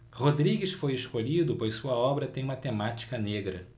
rodrigues foi escolhido pois sua obra tem uma temática negra